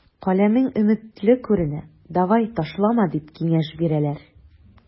Каләмең өметле күренә, давай, ташлама, дип киңәш бирәләр.